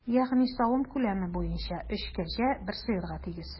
Ягъни савым күләме буенча өч кәҗә бер сыерга тигез.